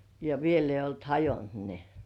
ja vielä ei ollut hajonnut ne